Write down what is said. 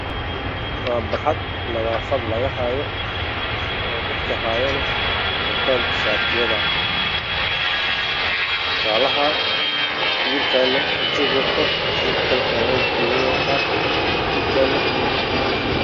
Meshan waxaa taagan niman Dhul nadiifinayo waxey wataan dhar cagaar ah